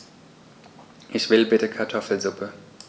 Ich will bitte Kartoffelsuppe.